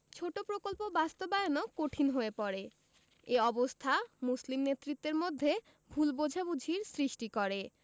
ছোট প্রকল্প বাস্তবায়নও কঠিন হয়ে পড়ে এ অবস্থা মুসলিম নেতৃত্বের মধ্যে ভুল বোঝাবুঝির সৃষ্টি করে